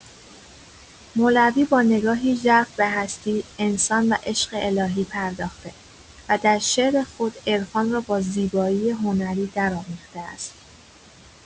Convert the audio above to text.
مولوی با نگاهی ژرف به هستی، انسان و عشق الهی پرداخته و در شعر خود عرفان را با زیبایی هنری درآمیخته است.